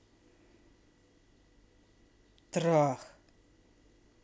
трах